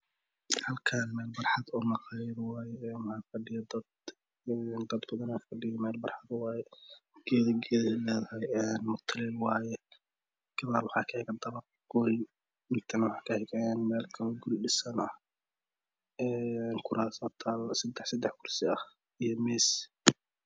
Halkaan een meel barxad ah oo maqaayd ah waye waxa fadhiyo dad een dad badan aa fadhiyo meel barxad ah waye geedo geeday ledahay mutuleel waye gadaal waxa ka ga daban hooy intana waxa ka xiga guri kalo dhisan ah een kuras aa talo kuraas sadex kursi ah iyo miis